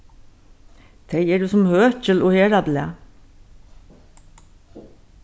tey eru sum høkil og herðablað